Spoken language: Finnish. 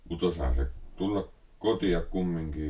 mutta osaa se tulla kotia kumminkin